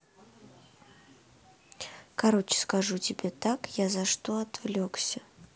короче скажу тебе так я за что отвлекся